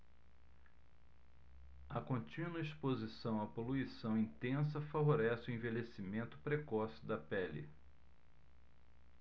a contínua exposição à poluição intensa favorece o envelhecimento precoce da pele